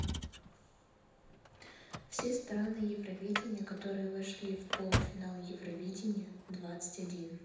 все страны евровидения которые вошли в полуфинал евровидения двадцать один